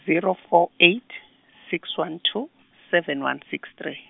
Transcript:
zero, four, eight, six, one, two, seven, one, six, three.